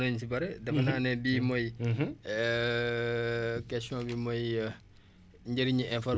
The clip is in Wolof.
question bi mooy njëriñu information cli contribution bi nga xamante ne